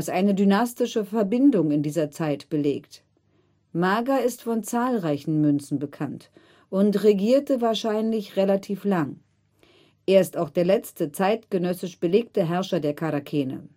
eine dynastische Verbindung in dieser Zeit belegt. Maga ist von zahlreichen Münzen bekannt und regierte wahrscheinlich relativ lang. Er ist auch der letzte zeitgenössisch belegte Herrscher der Charakene